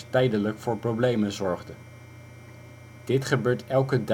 tijdelijk voor problemen zorgde. Dit gebeurt elke